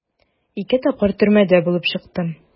Ике тапкыр төрмәдә булып чыктым.